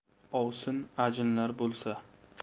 ovsin ajinlar bo'lsa